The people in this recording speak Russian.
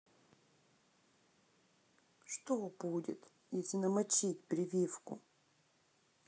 что будет если намочить прививку